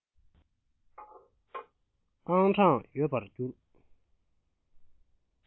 ཨང གྲངས ཡོད པར གྱུར